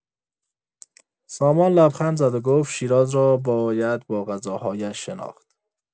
سامان لبخند زد و گفت: شیراز را باید با غذاهایش شناخت.